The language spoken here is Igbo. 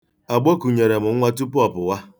Agbo kunyere m nwa tupu ọ pụwa.